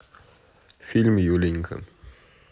фильм юленька